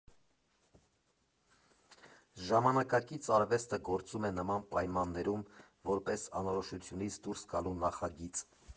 Ժամանակակից արվեստը գործում է նման պայմաններում՝ որպես անորոշությունից դուրս գալու նախագիծ։